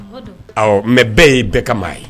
Ɔ mɛ bɛɛ ye bɛɛ ka maa ye